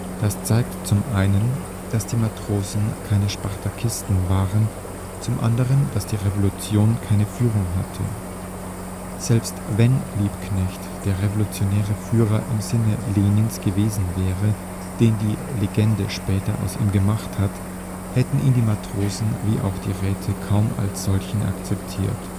Das zeigt zum einen, dass die Matrosen keine Spartakisten waren, zum anderen, dass die Revolution keine Führung hatte. Selbst wenn Liebknecht der revolutionäre Führer im Sinne Lenins gewesen wäre, den die Legende später aus ihm gemacht hat, hätten ihn die Matrosen wie auch die Räte kaum als solchen akzeptiert